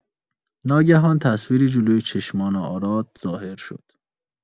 ناگهان تصویری جلوی چشمان آراد ظاهر شد.